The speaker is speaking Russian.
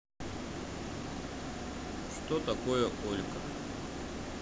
что такое олько